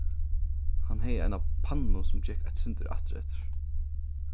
hann hevði eina pannu sum gekk eitt sindur aftureftir